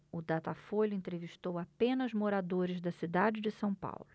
o datafolha entrevistou apenas moradores da cidade de são paulo